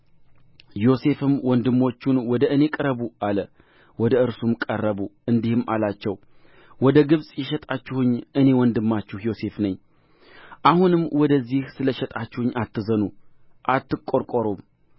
ዮሴፍም ወንድሞቹን ወደ እኔ ቅረቡ አለ ወደ እርሱም ቀረቡ እንዲህም አላቸው ወደ ግብፅ የሸጣችሁኝ እኔ ወንድማችሁ ዮሴፍ ነኝ አሁንም ወደዚህ ስለ ሸጣችሁኝ አትዘኑ አትቈርቈሩም